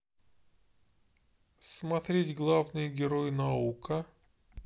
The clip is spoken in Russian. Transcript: смотреть главный герой наука